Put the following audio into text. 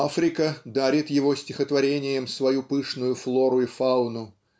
Африка дарит его стихотворениям свою пышную флору и фауну